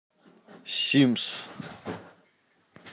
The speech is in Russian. sims